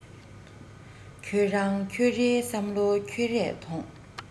ཁྱོད རང ཁྱོད རའི བསམ བློ ཁྱོད རས ཐོངས